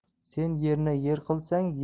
sen yerni yer qilsang